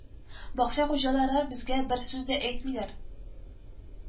Бакча хуҗалары безгә бер сүз дә әйтмиләр